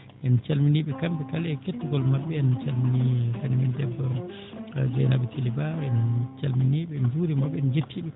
en calminii ɓe kamɓe kala e kettagol maɓɓe en calminii banii men debbo Deiynaba Selli Ba en calminii ɓe en njuuriima ɓe en njettii ɓe